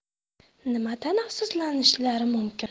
nimadan afsuslanishlari mumkin